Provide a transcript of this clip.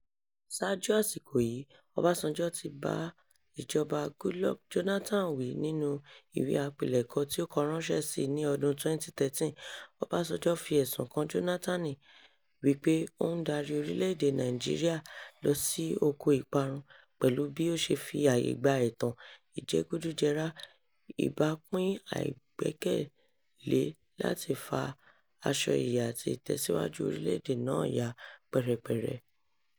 Ṣáájú àsìkò yìí, Ọbásanjọ́ ti bá ìjọba Goodluck Jónátánì wí nínú ìwé àpilẹ̀kọ tí ó kọ ránṣẹ́ sí i ní ọdún 2013, Ọbásanjọ́ fi ẹ̀sùn kan Jónátánì wípé ó ń darí orílẹ̀-èdè Nàìjíríà lọ sí oko ìparun pẹ̀lú bí ó ṣe fi àyè gba ẹ̀tàn, ìjẹ́gùdùjẹrà, ìbápín àìgbẹ́kẹ̀lé láti fa aṣọ iyì àti ìtẹ̀síwájú orílè-èdè náà ya pẹ́rẹpẹ̀rẹ.